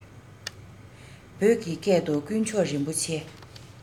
བོད ཀྱི སྐད དུ དཀོན མཆོག རིན པོ ཆེ